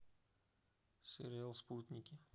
сериал спутники